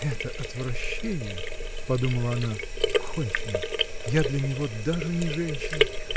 "Это отвращение, -- подумала она, -- кончено! я для него даже не женщина".